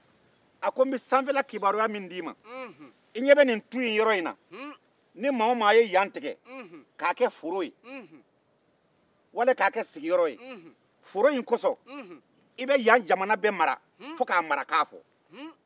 a ko i ɲɛ bɛ nin tu in minna a tu in na ni maa o maa ye yan tigɛ k' a ke foro ye walima